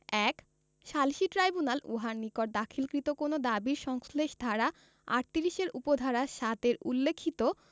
১ সালিসী ট্রাইব্যুনাল উহার নিকট দাখিলকৃত কোন দাবীর সংশ্লেষ ধারা ৩৮ এর উপ ধারা ৭ এর উল্লিখিত